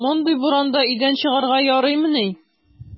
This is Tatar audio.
Мондый буранда өйдән чыгарга ярыймыни!